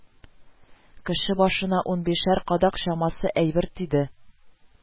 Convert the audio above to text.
Кеше башына унбишәр кадак чамасы әйбер тиде